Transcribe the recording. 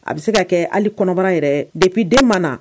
A bɛ se ka kɛ hali kɔnɔbara yɛrɛ dep den ma na